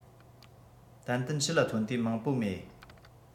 ཏན ཏན ཕྱི ལ ཐོན དུས མང པོ མེད